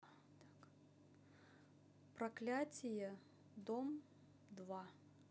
проклятие дом два